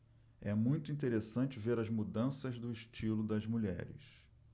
é muito interessante ver as mudanças do estilo das mulheres